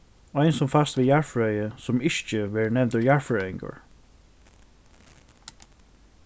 ein sum fæst við jarðfrøði sum yrki verður nevndur jarðfrøðingur